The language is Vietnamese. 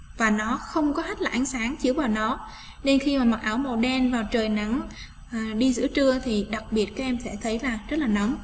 nó không có hát lại ánh sáng chiếu vào nó đi thi mà mặc áo màu đen vào trời nắng đi giữa trưa thì đặc biệt cho em sẽ thấy mặt rất là nóng